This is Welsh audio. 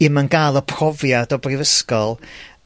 'im yn ga'l y profiad o brifysgol,